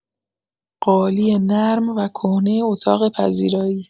قالی نرم و کهنه اتاق پذیرایی